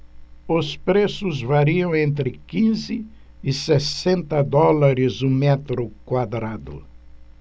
os preços variam entre quinze e sessenta dólares o metro quadrado